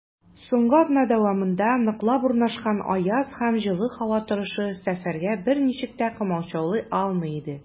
Соңгы атна дәвамында ныклап урнашкан аяз һәм җылы һава торышы сәфәргә берничек тә комачаулый алмый иде.